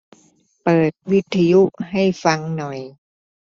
เปิดวิทยุให้ฟังหน่อย